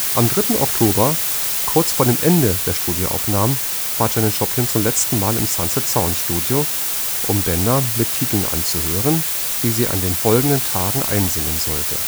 Am 3. Oktober, kurz vor dem Ende der Studioaufnahmen, war Janis Joplin das letzte Mal im Sunset Sound Studio, um Bänder mit Titeln anzuhören, die sie an den folgenden Tagen einsingen sollte